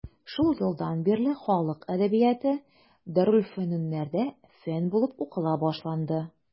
Шул елдан бирле халык әдәбияты дарелфөнүннәрдә фән булып укыла башланды.